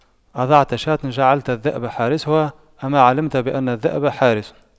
أضعت شاة جعلت الذئب حارسها أما علمت بأن الذئب حراس